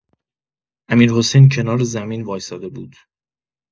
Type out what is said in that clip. امیرحسین کنار زمین وایساده بود.